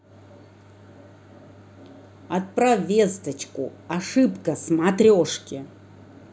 отправь весточку ошибка смотрешки